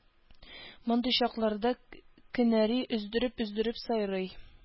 Мондый чакларда кенәри өздереп-өздереп сайрый